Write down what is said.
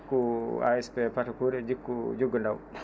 ko ASP parcours e jikku jiggu daw